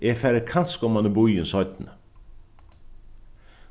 eg fari kanska oman í býin seinni